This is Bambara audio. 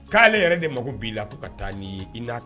K'ale yɛrɛ de mako b'i la ko ka taa nin ye i n'a